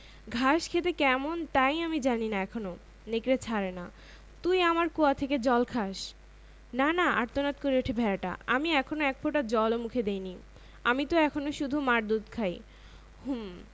আমার সব অভিযোগ এর তুই ভালই জবাব দিয়ে দিয়েছিস কিন্তু তা বললে তো আর আমার পেট চলবে না এই বলতে বলতেই ভেড়াটার উপর ঝাঁপিয়ে পড়ে শয়তান নেকড়ে তাকে টুকরো টুকরো করে খেয়ে ফেলল